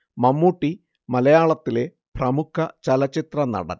മമ്മൂട്ടി മലയാളത്തിലെ പ്രമുഖ ചലച്ചിത്രനടൻ